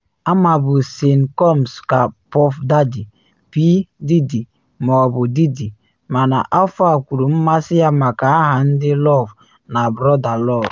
Amabụ Sean Combs ka Puff Daddy, P. Diddy ma ọ bụ Diddy, mana afọ a kwuru mmasị ya maka aha ndị Love na Brother Love.